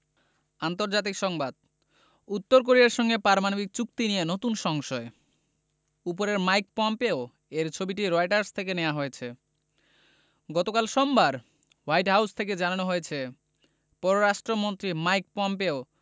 আন্তর্জাতিক সংবাদ উত্তর কোরিয়ার সঙ্গে পারমাণবিক চুক্তি নিয়ে নতুন সংশয় উপরের মাইক পম্পেও এর ছবিটি রয়টার্স থেকে নেয়া হয়েছে গতকাল সোমবার হোয়াইট হাউস থেকে জানানো হয়েছে পররাষ্ট্রমন্ত্রী মাইক পম্পেও